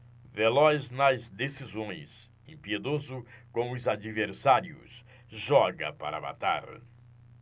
veloz nas decisões impiedoso com os adversários joga para matar